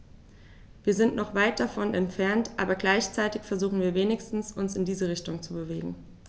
Wir sind noch weit davon entfernt, aber gleichzeitig versuchen wir wenigstens, uns in diese Richtung zu bewegen.